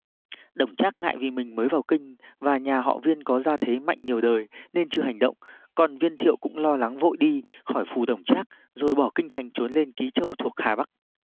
đổng trác ngại vì mình mới vào kinh và nhà họ viên có gia thế mạnh nhiều đời nên chưa hành động còn viên thiệu cũng lo lắng vội đi khỏi phủ đổng trác rồi bỏ kinh thành trốn lên ký châu thuộc hà bắc